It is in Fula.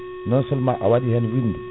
non seulement a waɗi hen winnde